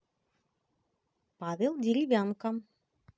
павел деревянко